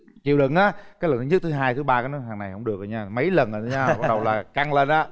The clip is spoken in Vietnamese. chịu đựng á cái lần thứ nhất thứ hai thứ ba nói thằng này không được rồi nha mấy lần rồi nha bắt đầu là căng lên á